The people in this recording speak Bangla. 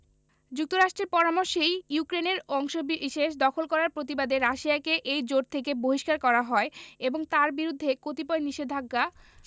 যুক্তরাষ্ট্রের পরামর্শেই ইউক্রেনের অংশবিশেষ দখল করার প্রতিবাদে রাশিয়াকে এই জোট থেকে বহিষ্কার করা হয় এবং তার বিরুদ্ধে কতিপয় নিষেধাজ্ঞা